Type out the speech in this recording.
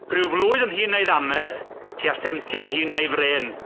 Ryw flwydd yn hŷn na'i ddannedd, tua seventy yn hŷn na'i frên.